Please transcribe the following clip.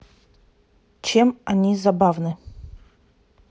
чем они забавны